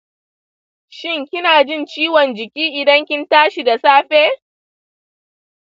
shin kina jin ciwon jiki idan kin tashi da safe?